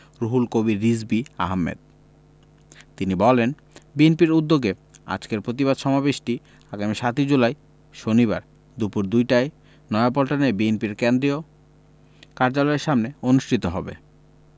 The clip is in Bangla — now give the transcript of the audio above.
রুহুল কবির রিজভী আহমেদ তিনি বলেন বিএনপির উদ্যোগে আজকের প্রতিবাদ সমাবেশটি আগামী ৭ জুলাই শনিবার দুপুর দুইটায় নয়াপল্টনের বিএনপি কেন্দ্রীয় কার্যালয়ের সামনে অনুষ্ঠিত হবে